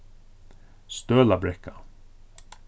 støðlabrekka